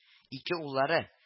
Ике уллары